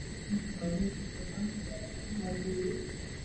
Meeshaan waa meel suuq ah waxaa jooga